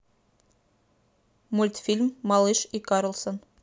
мультфильм малыш и карлсон